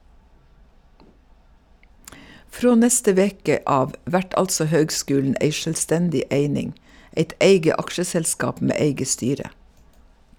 Frå neste veke av vert altså høgskulen ei sjølvstendig eining, eit eige aksjeselskap med eige styre.